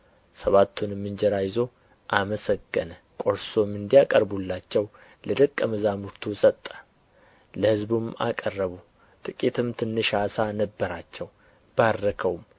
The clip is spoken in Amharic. ሰባቱንም እንጀራ ይዞ አመሰገነ ቈርሶም እንዲያቀርቡላቸው ለደቀ መዛሙርቱ ሰጠ ለሕዝቡም አቀረቡ ጥቂትም ትንሽ ዓሣ ነበራቸው ባረከውም